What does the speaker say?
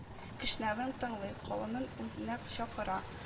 Кешнәвен тыңлый, колынын үзенә чакыра